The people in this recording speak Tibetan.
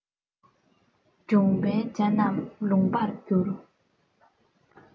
འབྱུང པོའི བྱ རྣམས ལོང བར འགྱུར